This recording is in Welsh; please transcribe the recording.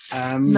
Yym.